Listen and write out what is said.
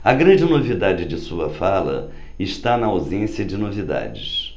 a grande novidade de sua fala está na ausência de novidades